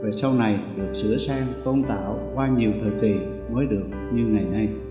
về sau này được sửa sang và tôn tạo qua nhiều thời kỳ mới được như ngày nay